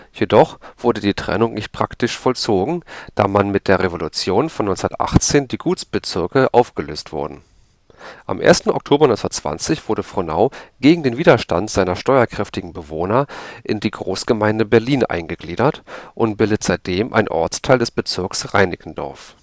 Jedoch wurde die Trennung nicht praktisch vollzogen, da mit der Revolution von 1918 die Gutsbezirke aufgelöst wurden. Am 1. Oktober 1920 wurde Frohnau gegen den Widerstand seiner steuerkräftigen Bewohner in die Großgemeinde Berlin eingegliedert und bildet seitdem einen Ortsteil des Bezirks Reinickendorf